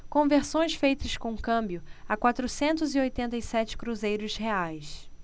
conversões feitas com câmbio a quatrocentos e oitenta e sete cruzeiros reais